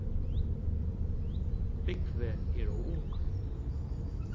búgvi er ov ungur